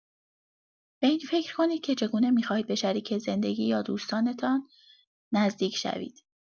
به این فکر کنید که چگونه می‌خواهید به شریک زندگی یا دوستتان نزدیک شوید.